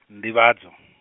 nḓivhadzo.